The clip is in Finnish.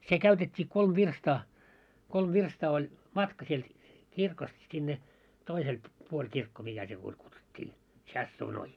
se käytettiin kolme virstaa kolme virstaa oli matka sieltä kirkosta sinne toiselle puolen kirkko mikä se puoli kutsuttiin tsasuunoita